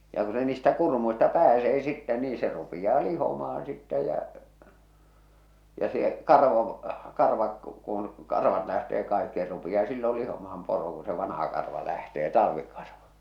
ja kun se niistä kurmuista pääsee sitten niin se rupeaa lihomaan sitten ja ja se karva karvakin kun karvat lähtee kaikki se rupeaa silloin lihomaan poro kun se vanha karva lähtee talvi karva